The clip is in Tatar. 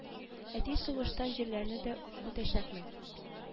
Әти сугыштан җирләрне дә үтәчәкмен